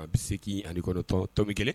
A bɛ se k' ani kɔnɔtɔn tobili kelen